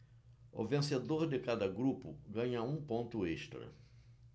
o vencedor de cada grupo ganha um ponto extra